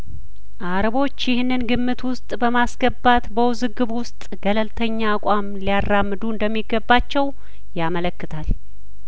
አረቦች ይህንን ግምት ውስጥ በማስገባት በውዝግቡ ውስጥ ገለልተኛ አቋም ሊያራምዱ እንደሚገባቸው ያመለክታል